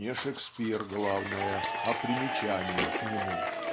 не Шекспир главное, примечания к нему".